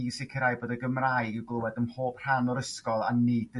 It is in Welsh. i sicrau bod y Gymraeg i'w glywed ym mhob rhan o'r ysgol a nid yn